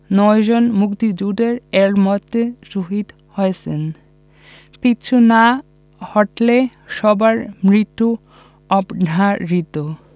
নয়জন মুক্তিযোদ্ধা এর মধ্যেই শহিদ হয়েছেন পিছু না হটলে সবার মৃত্যু অবধারিত